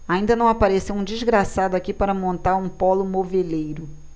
ainda não apareceu um desgraçado aqui para montar um pólo moveleiro